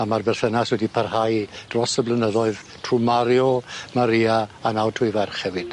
A ma'r berthynas wedi parhau dros y blynyddoedd trw' Mario Maria a nawr trw 'i ferch hefyd.